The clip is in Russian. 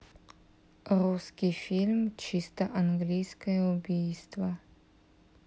русский фильм чисто английское убийство